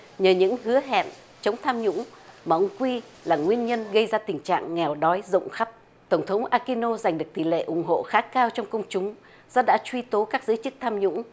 nhờ những hứa hẹn chống tham nhũng bóng quy là nguyên nhân gây ra tình trạng nghèo đói rộng khắp tổng thống a ki nô giành được tỷ lệ ủng hộ khá cao trong công chúng do đã truy tố các giới chức tham nhũng